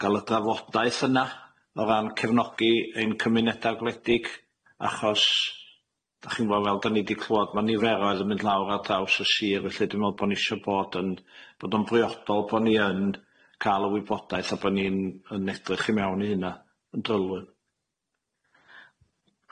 ga'l y drafodaeth yna? O ran cefnogi ein cymuneda gwledig, achos 'dach chi'n 'bo', fel' 'dan ni 'di clwad ma' niferoedd yn mynd lawr ar draws y sir felly dwi me'wl bo' ni isio bod yn, bod o'n briodol bo' ni yn ca'l y wybodaeth a bo' ni'n yn edrych i mewn i hynna, yn drylwyr.